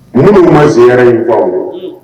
Minnu ma ziy nin baw